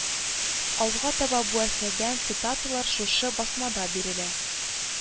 Алга таба бу әсәрдән цитаталар шушы басмада бирелә